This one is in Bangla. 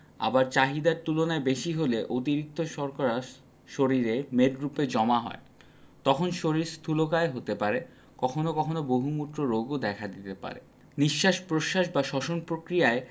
আবার চাহিদার তুলনায় বেশি হলে অতিরিক্ত শর্করা শরীরে মেদরুপে জমা হয় তখন শরীর স্থুলকায় হতে পারে কখনো কখনো বহুমূত্র রোগও দেখা দিতে পারে নিঃশ্বাস প্রশ্বাস বা শ্বসন প্রক্রিয়ায়